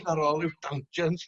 ...ar ôl ryw danjent...